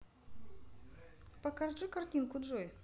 покажи картинку джой